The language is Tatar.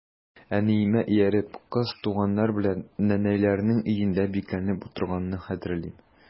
Әниемә ияреп, кыз туганнар белән нәнәйләрнең өендә бикләнеп утырганны хәтерлим.